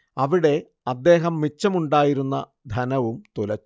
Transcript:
അവിടെ അദ്ദേഹം മിച്ചമുണ്ടായിരുന്ന ധനവും തുലച്ചു